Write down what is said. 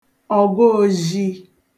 ọ̀gaozhī